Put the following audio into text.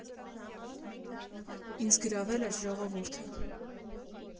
Ինձ գրավել էր ժողովուրդը։